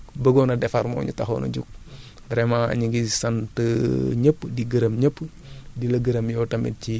pour defar la woon lépp lu ci dëng tamit ñu xam ne rekk bëggoon a defar moo ñu taxoon a jug